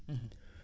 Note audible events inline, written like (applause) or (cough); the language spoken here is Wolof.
(hesitation) (hesitation)